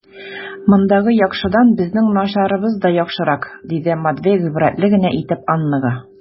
Мондагы яхшыдан безнең начарыбыз да яхшырак, - диде Матвей гыйбрәтле генә итеп Аннага.